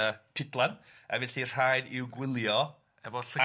...yy pidlan, a felly rhaid i'w gwylio... Efo llygad